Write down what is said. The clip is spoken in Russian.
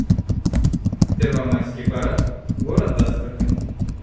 первомайский парад город астрахань